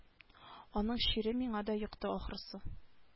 Аның чире миңа да йокты ахрысы